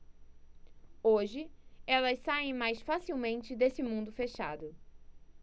hoje elas saem mais facilmente desse mundo fechado